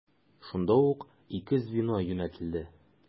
Шунда ук ике звено юнәтелде.